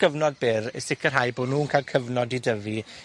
gyfnod byr i sicrhau bo' nw'n ca'l cyfnod i dyfu